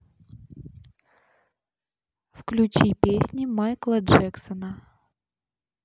включи песни майкла джексона